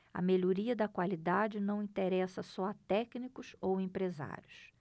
a melhoria da qualidade não interessa só a técnicos ou empresários